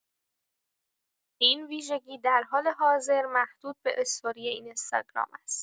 این ویژگی در حال حاضر محدود به استوری اینستاگرام است.